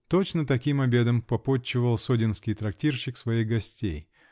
Точно таким обедом попотчевал соденский трактирщик своих гостей.